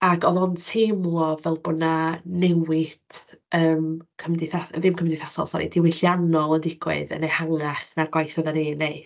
Ac oedd o'n teimlo fel bod 'na newid yym cymdeitha-... ddim cymdeithasol sori, diwylliannol yn digwydd yn ehangach na'r gwaith oedden ni'n wneud.